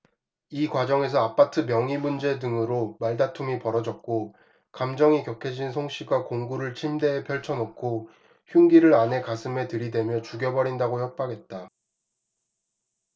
이 과정에서 아파트 명의 문제 등으로 말다툼이 벌어졌고 감정이 격해진 송씨가 공구를 침대에 펼쳐놓고 흉기를 아내 가슴에 들이대며 죽여버린다고 협박했다